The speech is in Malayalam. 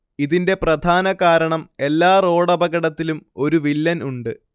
ഇതിന്റെ പ്രധാന കാരണം എല്ലാ റോഡപകടത്തിലും ഒരു വില്ലൻ ഉണ്ട്